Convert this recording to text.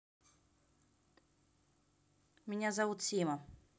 меня зовут сима